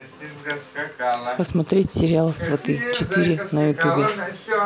посмотреть сериал сваты четыре на ютубе